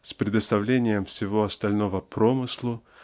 с предоставлением всего остального Промыслу